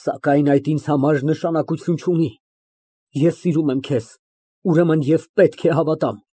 Սակայն այդ ինձ համար նշանակություն չունի։ Ես սիրում եմ քեզ, ուրեմն և պետք է հավատամ։